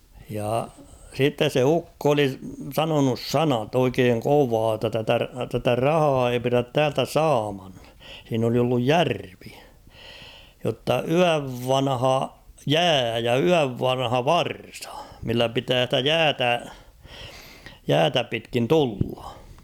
ja sitten se ukko oli sanonut sanat oikein kovaa jotta tätä tätä rahaa ei pidä täältä saaman siinä oli ollut järvi jotta yön vanha jää ja yön vanha varsa millä pitää sitä jäätä jäätä pitkin tulla